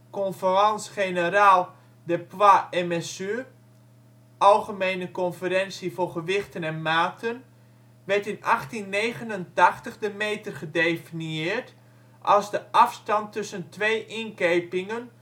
Conférence Générale des Poids et Mesures) (Algemene conferentie voor gewichten en maten) werd in 1889 de meter gedefinieerd als de afstand tussen twee inkepingen